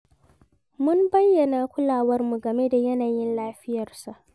Mun bayyana kulawarmu game da yanayin lafiyarsa.